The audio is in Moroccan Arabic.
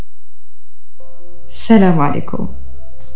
سلام عليكم